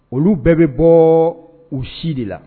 Olu bɛɛ bɛ bɔ u si de la